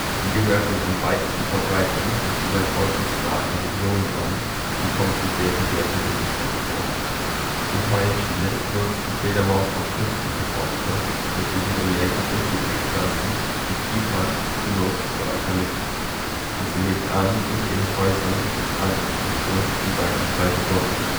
Sie gehört den am weitesten verbreiteten und zugleich häufigsten Arten der Region an und kommt in sehr diversen Lebensräumen vor. In Teilen Chiles nutzt die Fledermaus auch künstliche Forste mit für Südamerika untypischen Pflanzen wie Kiefern (Pinus) oder Eucalyptus, und sie lebt an und in Häusern und anderen Strukturen wie beispielsweise Brücken